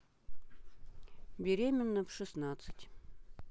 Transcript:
беременна в шестнадцать